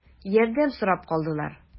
Ярдәм сорап калдылар.